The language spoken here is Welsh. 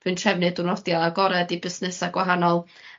Dwi'n trefnu diwrnodia agored i busnesa' gwahanol.